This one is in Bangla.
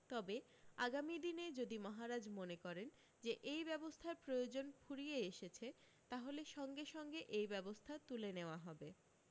তবে আগামী দিনে যদি মহারাজ মনে করেন যে এই ব্যবস্থার প্রয়োজন ফুরিয়ে এসেছে তাহলে সঙ্গে সঙ্গে এই ব্যবস্থা তুলে নেওয়া হবে